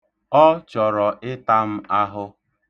Ọ chọrọ ịta m ahụ.